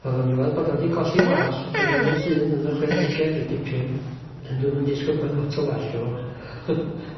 O'dd o'n i weld bod o 'di colli 'i wall' pen yn y llun yn y chwedege ryw dipyn on' dwi'm yn disgwl gwel lot o wallt efo fo.